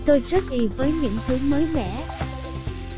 tôi rất ì với những thứ mới mẻ